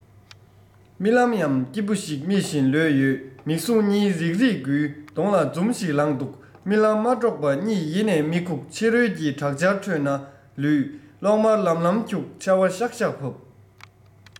རྨི ལམ ཡང སྐྱིད པོ ཞིག རྨི བཞིན ལོས ཡོད མིག ཟུང གཉིས རིག རིག འགུལ གདོང ལ འཛུམ ཞིག ལངས འདུག རྨི ལམ མ དཀྲོགས པ གཉིད ཡེ ནས མི ཁུག ཕྱི རོལ གྱི དྲག ཆར ཁྲོད ན ལུས གློག དམར ལམ ལམ འཁྱུག ཆར བ ཤག ཤག འབབ